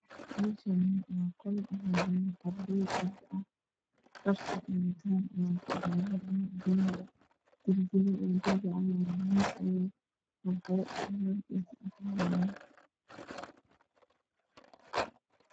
Meeshaani waa qol waxaa joga arday gabdho dharka ay wataan waa jale darbigana waa darbi cadaan miis ayey wax ku waxay ayaan